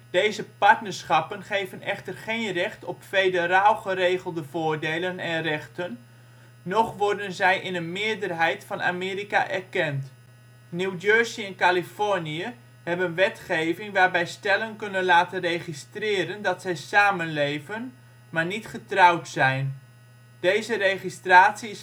Deze partnerschappen geven echter geen recht op federaal geregelde voordelen en rechten, noch worden zij in een meerderheid van Amerika erkend. New Jersey en Californië hebben wetgeving waarbij stellen kunnen laten registreren dat zij samenleven, maar niet getrouwd zijn; deze registratie